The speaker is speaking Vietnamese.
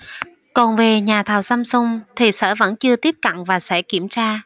còn về nhà thầu samsung thì sở vẫn chưa tiếp cận và sẽ kiểm tra